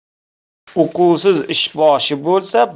uquvsiz ishboshi bo'lsa